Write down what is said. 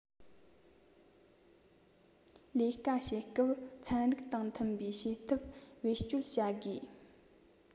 ལས ཀ བྱེད སྐབས ཚན རིག དང མཐུན པའི བྱེད ཐབས བེད སྤྱོད བྱ དགོས